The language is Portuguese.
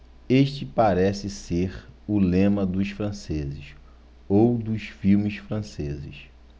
este parece ser o lema dos franceses ou dos filmes franceses